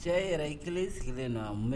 Cɛ yɛrɛ i kelen sigilen don a ma